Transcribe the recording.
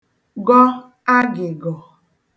gọ agị̀gọ̀